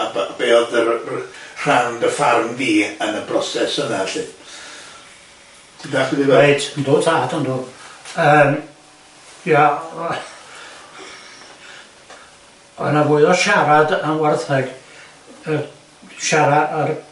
A b- be-odd yr r- rhan dy ffarm di yn y broeso yna 'lly? Ti'n dalld be dwi'n feddwl? Reit yndw tad yndw yym ia o'na fwy o siarad am warthaig y siarad ar